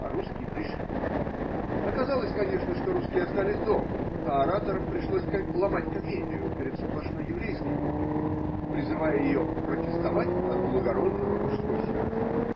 а русские пришли: оказалось, конечно, что русские остались дома, а ораторам пришлось ломать комедию перед сплошной еврейской публикой, призывая ее протестовать от благородного русского сердца.